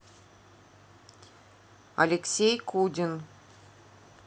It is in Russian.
алексей кудин